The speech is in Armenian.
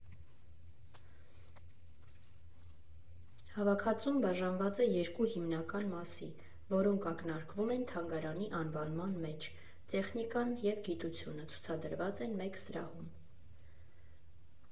Հավաքածուն բաժանված է երկու հիմնական մասի, որոնք ակնարկվում են թանգարանի անվանման մեջ՝ «տեխնիկան» և «գիտությունը» ցուցադրված են մեկ սրահում։